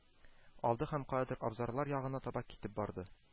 Алды һәм каядыр абзарлар ягына таба китеп барды